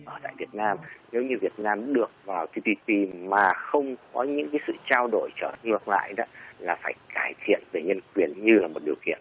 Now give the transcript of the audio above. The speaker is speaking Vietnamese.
tại việt nam nếu như việt nam được vào cái ti pi mà không có những cái sự trao đổi ngược lại đó là phải cải thiện về nhân quyền như là một điều kiện